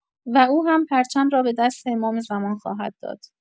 و او هم پرچم را به دست امام زمان خواهد داد.